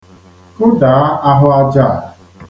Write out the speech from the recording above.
Kụdaa ahụ aja a!